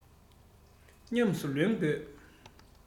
ཉམས སུ ལེན དགོས